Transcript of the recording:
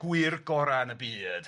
Gwir gora yn y byd.